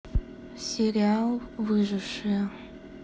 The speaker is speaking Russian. сериал выжившие